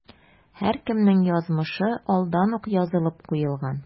Һәркемнең язмышы алдан ук язылып куелган.